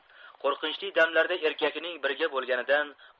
qo'rqinchli damlarda erkagining birga bo'lganidan